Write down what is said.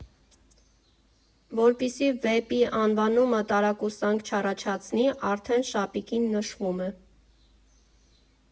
Որպեսզի վեպի անվանումը տարակուսանք չառաջացնի, արդեն շապիկին նշվում է.